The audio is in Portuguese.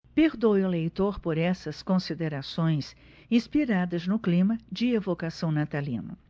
perdoe o leitor por essas considerações inspiradas no clima de evocação natalino